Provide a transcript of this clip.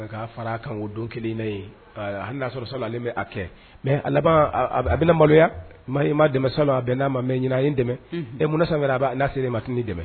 K'a far'a kan o don kelenna ye _ voilà hali n'a sɔrɔ sa ale mɛ a kɛ mais a labaan aa a a bina maloya Mahi m'a dɛmɛ salon a bɛnn'a ma mais ɲinan a ye n dɛmɛ unhun e munna sanwɛrɛ a ba n'a ser'e ma a ti n'i dɛmɛ